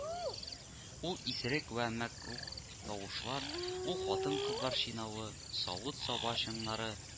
Ул исерек вә мәкруһ тавышлар, ул хатын-кызлар чинавы, савыт-саба чыңлары